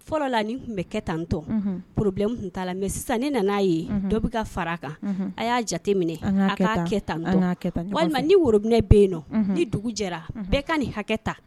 Fɔlɔ la nin tun bɛ kɛ tan tɔ porobi tun t'a la mɛ sisan ne nana'a ye dɔ bɛ ka fara a kan a y'a jate minɛ a ka kɛ tan walima ni worobilenɛ bɛ yen nɔ ni dugu jɛra bɛɛ ka nin hakɛ ta